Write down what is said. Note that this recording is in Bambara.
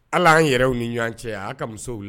Ala y an yɛrɛw ni ɲɔgɔn cɛ' ka musow la